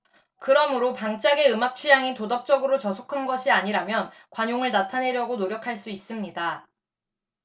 그러므로 방짝의 음악 취향이 도덕적으로 저속한 것이 아니라면 관용을 나타내려고 노력할 수 있습니다